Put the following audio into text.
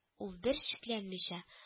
Ул бер шикләнмичә